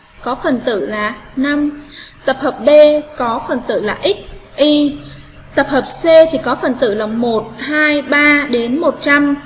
có phần tử là tập hợp b có phần tử là xy tập hợp c thì có phần tử là đến